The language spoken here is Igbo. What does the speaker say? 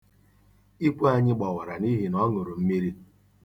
Ikwe anyị gbawara n'ihi na ọ ṅụrụ mmiri.